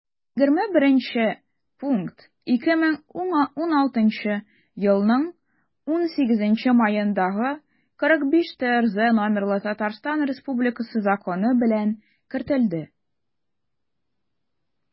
21 пункт 2016 елның 18 маендагы 45-трз номерлы татарстан республикасы законы белән кертелде